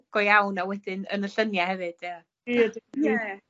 go iawn a wedyn yn y llynie hefyd ie. Ie Ie.